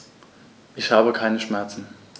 Ich habe keine Schmerzen.